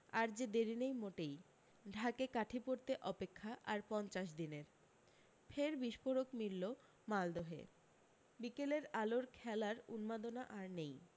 আর যে দেরি নেই মোটেই ঢাকে কাঠি পড়তে অপেক্ষা আর পঞ্চাশ দিনের ফের বিস্ফোরক মিলল মালদহে বিকেলের আলোর খেলার উন্মাদনা আর নেই